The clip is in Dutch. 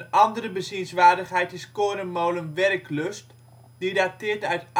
andere bezienswaardigheid is Korenmolen Werklust, die dateert uit